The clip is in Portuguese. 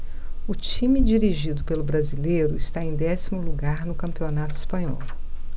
o time dirigido pelo brasileiro está em décimo lugar no campeonato espanhol